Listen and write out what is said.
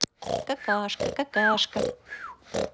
какашка какашка